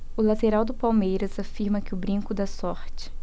o lateral do palmeiras afirma que o brinco dá sorte